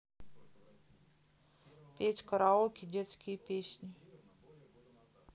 петь караоке детские песни